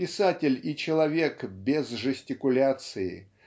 писатель и человек без жестикуляции